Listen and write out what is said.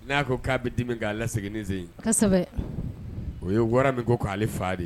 Na ko ka bi dimi ka lasegin nin sen in kosɛbɛ, o ye wara min ko kale fa de ye